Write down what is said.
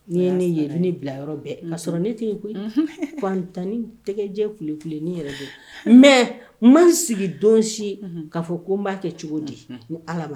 Ni ye ne ye ne bila yɔrɔ bɛɛ ka sɔrɔ ne tɛ yen koyi fantanni tɛgɛjɛ kule kule ni yɛrɛ do mais ma sigi don si k'a fɔ ko ma kɛ cogo di ni Ala ma